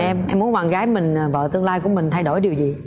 em em muốn bạn gái mình vợ tương lai của mình thay đổi điều gì